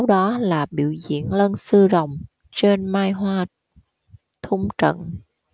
đó là biểu diễn lân sư rồng trên mai hoa thung trận